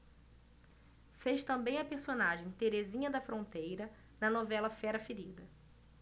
fez também a personagem terezinha da fronteira na novela fera ferida